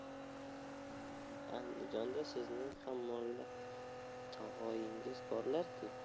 andijonda sizning ham mulla tog'oyingiz borlar ku